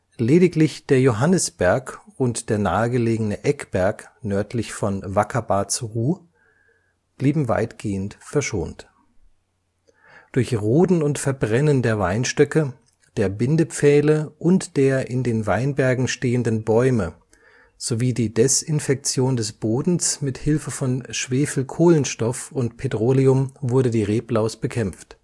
Lediglich der Johannisberg und der nahegelegene Eckberg nördlich von Wackerbarths Ruh’ blieben weitgehend verschont. Durch Roden und Verbrennen der Weinstöcke, der Bindepfähle und der in den Weinbergen stehenden Bäume sowie die Desinfektion des Bodens mit Hilfe von Schwefelkohlenstoff und Petroleum wurde die Reblaus bekämpft